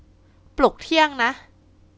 ปลุกเที่ยงนะ